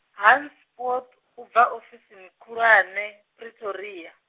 Hans Poot u bva ofisini khulwane, Pretoria.